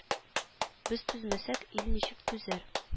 Без түзмәсәк ил ничек түзәр